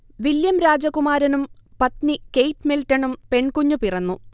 William രാജകുമാരനും പത്നി Kate മിൽടണും പെൺകുഞ്ഞ് പിറന്നു